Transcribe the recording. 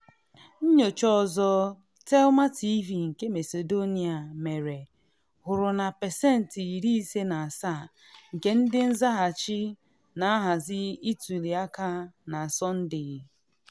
Nyocha ọzọ, Telma TV nke Macedonia mere, hụrụ na pasentị 57 nke ndị nzaghachi na ahazi ituli aka na Sọnde.